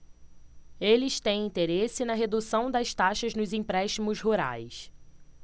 eles têm interesse na redução das taxas nos empréstimos rurais